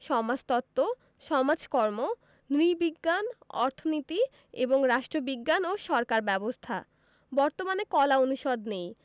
সমাজতত্ত্ব সমাজকর্ম নৃবিজ্ঞান অর্থনীতি এবং রাষ্ট্রবিজ্ঞান ও সরকার ব্যবস্থা বর্তমানে কলা অনুষদ নেই